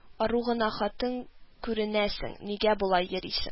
– ару гына хатын күренәсең, нигә болай йөрисең